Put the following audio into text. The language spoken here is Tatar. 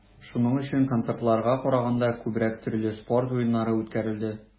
Шуның өчен, концертларга караганда, күбрәк төрле спорт уеннары үткәрелде.